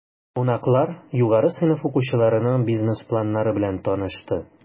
Кунаклар югары сыйныф укучыларының бизнес планнары белән танышты.